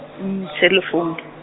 sele founu.